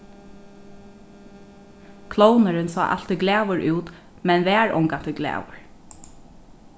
klovnurin sá altíð glaður út men var ongantíð glaður